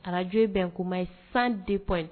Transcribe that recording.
Radio ye Benkuma ye 102.